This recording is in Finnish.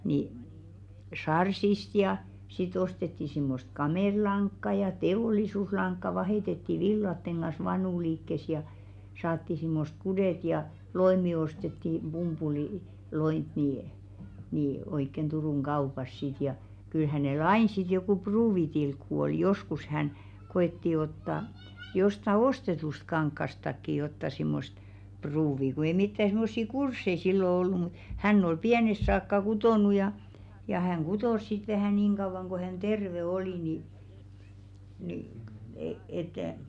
niin sarssista ja sitten ostettiin semmoista kamelilankaa ja teollisuuslankaa vaihdettiin villojen kanssa vanuliikkeessä ja saatiin semmoiset kuteet ja loimi ostettiin - pumpuliloimea niin niin oikein Turun kaupassa sitten ja kyllä hänellä aina sitten joku pruuvitilkku oli joskus hän koetti ottaa jostakin ostetusta kankaastakin jotakin semmoista pruuvia kun ei mitään semmoisia kursseja silloin ollut mutta hän oli pienestä saakka kutonut ja ja hän kutoi sitten vähän niin kauan kuin hän terve oli niin niin - että